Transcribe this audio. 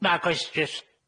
Nag oes jyst.